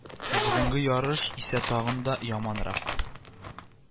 Ә бүгенге ярыш исә тагын да яманрак